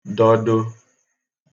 dọdo